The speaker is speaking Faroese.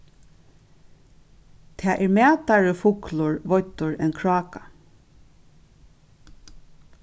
tað er mætari fuglur veiddur enn kráka